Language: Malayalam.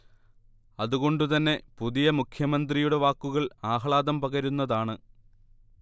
അതുകൊണ്ടുതന്നെ പുതിയ മുഖ്യമന്ത്രിയുടെ വാക്കുകൾ ആഹ്ലാദം പകരുന്നതാണ്